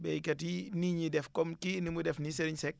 béykat yii nii ñuy def comme kii nu mu def ni Sezrigne Seck